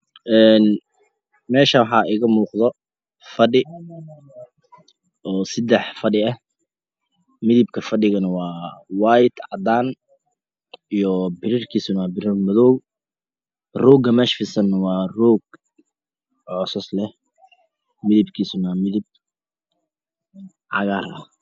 Meeshaan waxa iga moqdohfadhi osedac fadhiah midabka fadhiganah waa cadaan iyo bilarkiso waa madow roga meshakadhisan waa rog midabkisona waa mid cagar ah